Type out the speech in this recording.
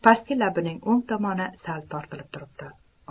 pastki labining o'ng tomoni sal tortilib turibdi